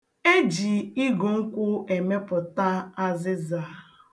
E ji igu nkwụ emepụta azịza.